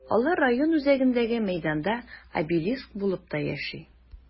Алар район үзәгендәге мәйданда обелиск булып та яши.